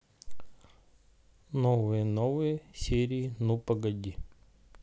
новые новые серии ну погоди